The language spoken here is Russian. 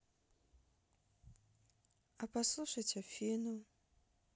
а послушать афину